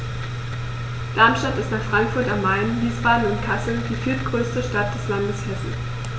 Darmstadt ist nach Frankfurt am Main, Wiesbaden und Kassel die viertgrößte Stadt des Landes Hessen